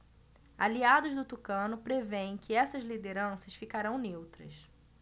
aliados do tucano prevêem que essas lideranças ficarão neutras